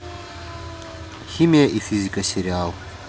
химия и физика сериал